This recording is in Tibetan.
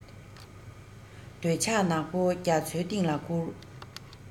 འདོད ཆགས ནག པོ རྒྱ མཚོའི གཏིང ལ བསྐྱུར